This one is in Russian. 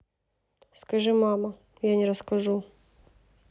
скажи мама я не расскажу